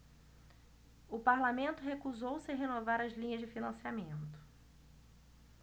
o parlamento recusou-se a renovar as linhas de financiamento